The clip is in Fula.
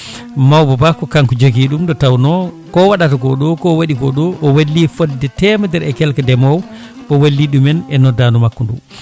mawba ba ko kanko jogui ɗum nde tawno ko waɗata ko ɗo ko waɗi ko ɗo o wali fodde temedere e quelque ndeemowo o walli ɗumen e noddadu makko ndu